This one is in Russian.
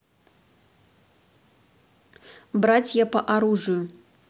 братья по оружию